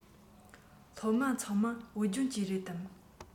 སློབ མ ཚང མ བོད ལྗོངས ཀྱི རེད དམ